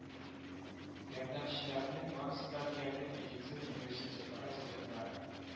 Ярдәмчеләрнең барысы да диярлек медицина университетлары студентлары